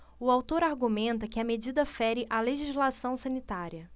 o autor argumenta que a medida fere a legislação sanitária